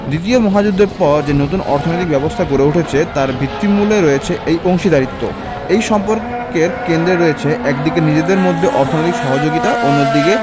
দ্বিতীয় মহাযুদ্ধের পর যে নতুন অর্থনৈতিক ব্যবস্থা গড়ে উঠেছে তার ভিত্তিমূলে রয়েছে এই অংশীদারত্ব এই সম্পর্কের কেন্দ্রে রয়েছে একদিকে নিজেদের মধ্যে অর্থনৈতিক সহযোগিতা অন্যদিকে